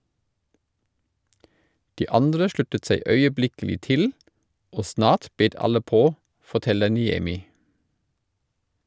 De andre sluttet seg øyeblikkelig til, og snart bet alle på, forteller Niemi.